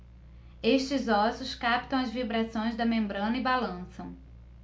estes ossos captam as vibrações da membrana e balançam